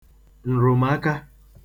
ǹrụ̀maka